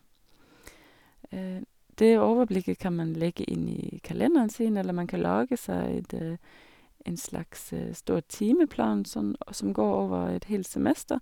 Det overblikket kan man legge inn i kalenderen sin, eller man kan lage seg det en slags stor timeplan sånn og som går over et helt semester.